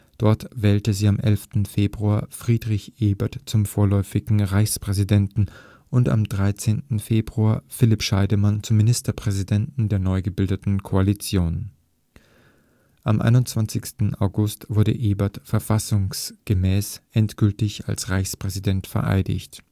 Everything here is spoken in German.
Dort wählte sie am 11. Februar Friedrich Ebert zum vorläufigen Reichspräsidenten und am 13. Februar Philipp Scheidemann zum Ministerpräsidenten der neu gebildeten Koalition. Am 21. August wurde Ebert verfassungsgemäß endgültig als Reichspräsident vereidigt